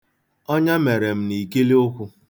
Ọnya mere m n'ikilụkwụ.